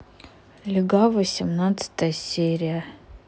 легавый семнадцатая серия